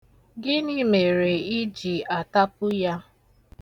Gịnị mere ị ji atapu ya?